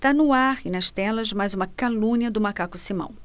tá no ar e nas telas mais uma calúnia do macaco simão